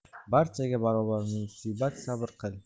barchaga barobar musibat sabr qil